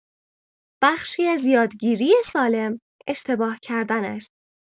بخشی از یادگیری سالم، اشتباه‌کردن است.